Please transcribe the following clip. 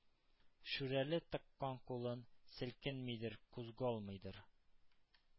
Шүрәле тыккан кулын — селкенмидер, кузгалмыйдыр;